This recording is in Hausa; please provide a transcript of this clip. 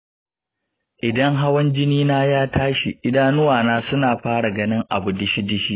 idan hawan jinina ya tashi idanuwana suna fara ganin abu dishi dishi .